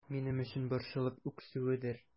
Минем өчен борчылып үксүедер...